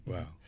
waa